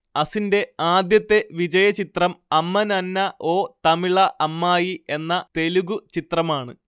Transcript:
അസിൻറെ ആദ്യത്തെ വിജയചിത്രം അമ്മ നന്ന ഓ തമിള അമ്മായി എന്ന തെലുഗു ചിത്രമാണ്